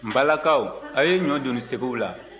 n balakaw a' ye ɲɔ doni segiw la